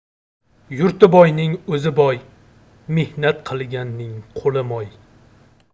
yurti boyning o'zi boy mehnat qilganning qo'li moy